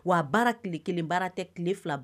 Wa baara tile kelen baara tɛ tile fila